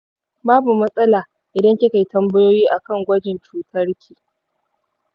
babu matsala idan kikayi tambayoyi akan gwajin cutar ki.